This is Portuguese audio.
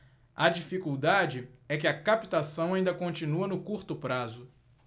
a dificuldade é que a captação ainda continua no curto prazo